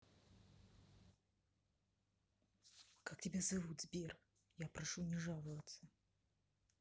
а как тебя зовут сбер я прошу не жаловаться